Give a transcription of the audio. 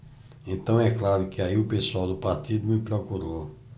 então é claro que aí o pessoal do partido me procurou